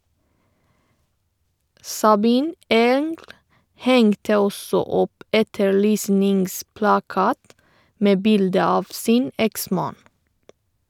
Sabine Engl hengte også opp etterlysningsplakat med bilde av sin eksmann.